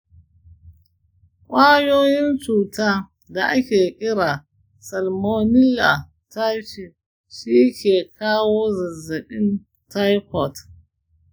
kwayoyin cuta da ake kira salmonella typhi ne ke kawo zazzabin taifot.